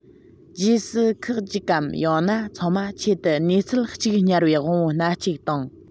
རྗེས སུ ཁག ཅིག གམ ཡང ན ཚང མ ཆེད དུ ནུས རྩལ གཅིག གཉེར བའི དབང པོ སྣ གཅིག དང